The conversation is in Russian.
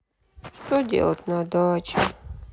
что делать на даче